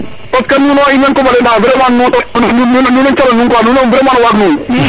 parce ino in way koɓale nda vraiment nuuno calel nuun vraiment